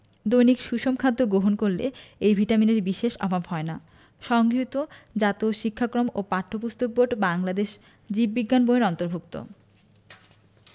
দৈনিক সুষম খাদ্য গ্রহণ করলে এই ভিটামিনের বিশেষ অভাব হয় না সংগৃহীত জাতীয় শিক্ষাক্রম ও পাঠ্যপুস্তক বোর্ড বাংলাদেশ জীব বিজ্ঞান বই এর অন্তর্ভুক্ত